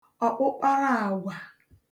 ọ̀kpụkparaàgwà